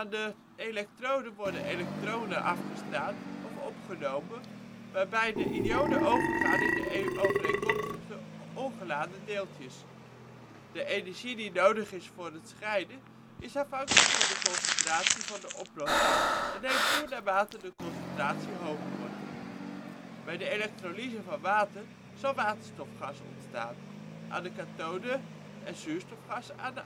de elektroden worden elektronen afgestaan of opgenomen, waarbij de ionen overgaan in de overeenkomstige ongeladen deeltjes. De energie die nodig is voor het scheiden, is afhankelijk van de concentratie van de oplossing en neemt toe naarmate de concentratie hoger wordt. Bij de elektrolyse van water zal waterstofgas ontstaan aan de kathode en zuurstofgas aan